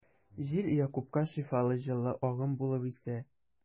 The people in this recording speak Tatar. Җил Якупка шифалы җылы агым булып исә.